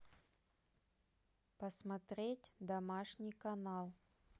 посмотреть домашний канал